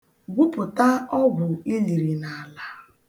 Gwupụta ọgwụ i liri n'ala.